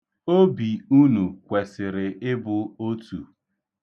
Obi unu kwesịrị ịbụ otu.